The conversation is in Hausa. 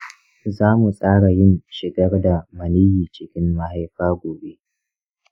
za mu tsara yin shigar da maniyyi cikin mahaifa gobe.